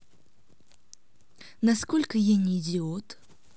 насколько я не идиот